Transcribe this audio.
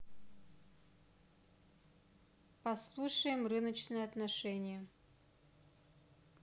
послушаем рыночные отношения